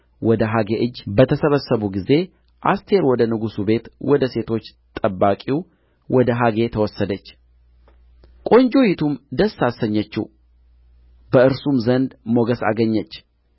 ወደ ሄጌ እጅ በተሰበሰቡ ጊዜ አስቴር ወደ ንጉሡ ቤት ወደ ሴቶች ጠባቂው ወደ ሄጌ ተወሰደች ቆንጆይቱም ደስ አሰኘችው በእርሱም ዘንድ ሞገስ አገኘች